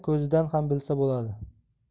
ko'zidan ham bilsa bo'ladi